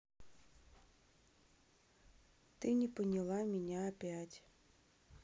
ты не поняла меня опять